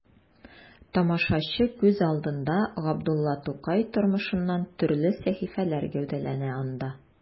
Тамашачы күз алдында Габдулла Тукай тормышыннан төрле сәхифәләр гәүдәләнә анда.